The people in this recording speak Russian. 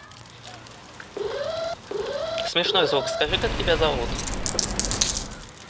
смешной звук уже скажи как тебя зовут